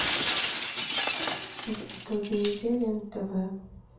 в итоге недели нтв